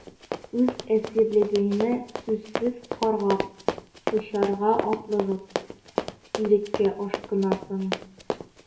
Үз әсирлегеңне сүзсез каргап, очарга атлыгып, иреккә ашкынасың...